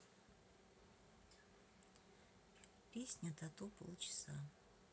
песня тату полчаса